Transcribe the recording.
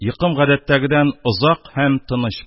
Йокым гадәттәгедән озак һәм тыныч